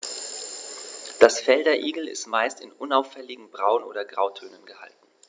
Das Fell der Igel ist meist in unauffälligen Braun- oder Grautönen gehalten.